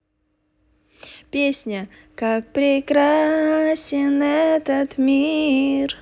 песня как прекрасен этот мир